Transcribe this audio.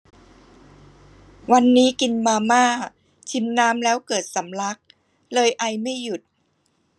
วันนี้กินมาม่าชิมน้ำแล้วเกิดสำลักเลยไอไม่หยุด